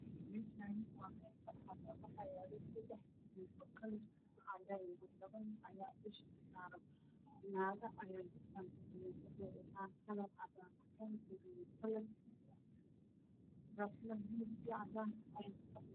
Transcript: Meeshaan waa meel barxad ah waxaa yaalo seddex tiirar oo cadaan ah labo nin ayaa dusha kasaaran. Naago ayaana jidka fadhiyo waxay wataan kalar cadaan ah ,gaduud iyo buluug. Kuraasman bulug iyo cadaan ah ayay kufadhiyaan.